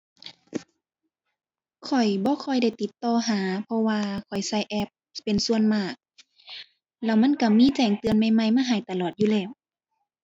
ข้อยบ่ค่อยได้ติดต่อหา เพราะว่าข้อยใช้แอปเป็นส่วนมาก แล้วมันใช้มีแจ้งเตือนใหม่ใหม่มาให้ตลอดอยู่แล้ว